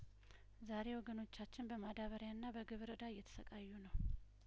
ዛሬ ወገኖቻችን በማዳበሪያና በግብር እዳ እየተሰቃዩ ነው